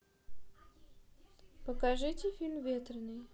покажите фильм ветреный